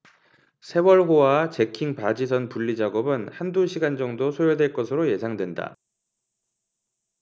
세월호와 잭킹 바지선 분리 작업은 한 두 시간 정도 소요될 것으로 예상된다